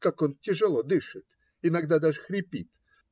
Как он тяжело дышит. Иногда даже хрипит.